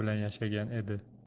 bilan yashagan edi